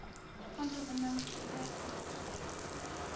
Кан табыннан куе кызыл төстә